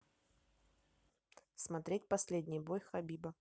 смотреть последний бой хабиба